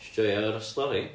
wnes i joio'r stori